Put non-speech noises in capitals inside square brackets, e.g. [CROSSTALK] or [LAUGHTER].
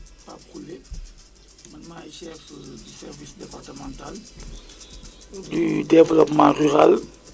am na par exemple tey jii éni nga xamante ne bi dañuy [HESITATION] béy ñebe mais ñebe bi ñuy béy c' est juste pour lu ñu jox seen ay ay ay jur